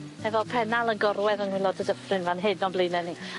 efo Pennal yn gorwedd yng ngwylod y Dyffryn fan hyn o'n blaene ni.